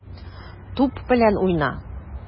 Туп белән уйна.